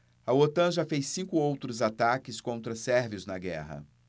a otan já fez cinco outros ataques contra sérvios na guerra